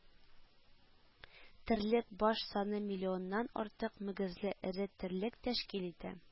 Терлек баш саны миллионнан артык мөгезле эре терлек тәшкил итә